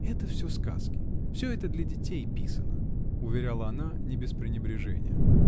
"Это все сказки, все это для детей писано!" -- уверяла она не без пренебрежения.